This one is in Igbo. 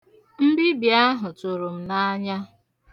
Mbibi ahụ turụ m n'anya.